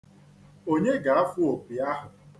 Onye ga-afụ opi ahụ.